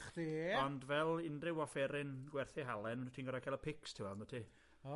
'Na chdi. Ond fel unryw offeryn gwerth ei halen rwyt ti'n gor'o ca'l y pics t'wel yndwt ti?